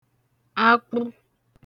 akprụ